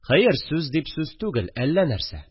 Хәер, сүз дип сүз түгел, әллә нәрсә